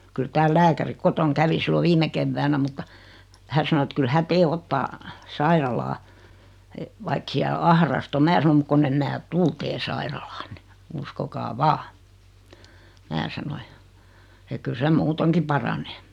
kyllä täällä lääkäri kotona kävi silloin viime keväänä mutta hän sanoi että kyllä hän teidän ottaa sairaalaan vaikka siellä ahdasta on minä sanoin mutta kun en minä tule teidän sairaalaanne uskokaa vain minä sanoin ja että kyllä se muutenkin paranee